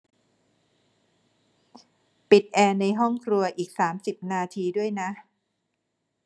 ปิดแอร์ในห้องครัวอีกสามสิบนาทีด้วยนะ